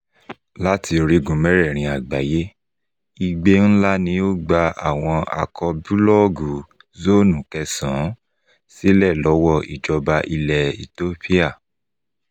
Láti orígun mẹ́rẹ̀ẹ̀rin àgbáyé, igbe ńlá ni ó gba àwọn akọbúlọ́ọ̀gù Zone9 sílẹ̀ lọ́wọ́ ìjọba ilẹ̀ Ethiopia.